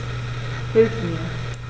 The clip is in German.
Hilf mir!